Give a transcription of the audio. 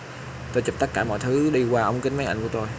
tôi chụp tất cả mọi thứ đi qua ống kính máy ảnh của tôi